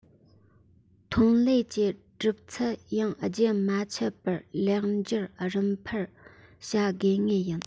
ཐོན ལས ཀྱི གྲུབ ཚུལ ཡང རྒྱུན མ ཆད པར ལེགས འགྱུར རིམ འཕར བྱ དགོས ངེས ཡིན